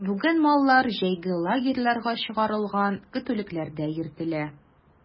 Бүген маллар җәйге лагерьларга чыгарылган, көтүлекләрдә йөртелә.